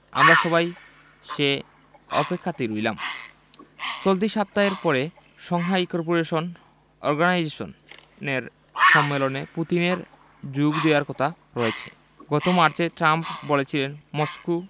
আমরা সবাই সে অপেক্ষাতেই রইলাম চলতি সপ্তাহের পরে সাংহাই করপোরেশন অর্গানাইজেশনের সম্মেলনে পুতিনের যোগ দেওয়ার কথা রয়েছে গত মার্চে ট্রাম্প বলেছিলেন মস্কো